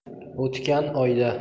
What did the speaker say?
o'tkan oyda